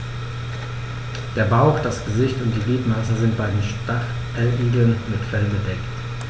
Der Bauch, das Gesicht und die Gliedmaßen sind bei den Stacheligeln mit Fell bedeckt.